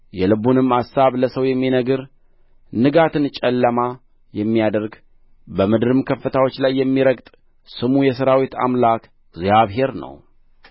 የልቡንም አሳብ ለሰው የሚነግር ንጋትን ጨለማ የሚያደርግ በምድርም ከፍታዎች ላይ የሚረግጥ ስሙ የሠራዊት አምላክ እግዚአብሔር ነው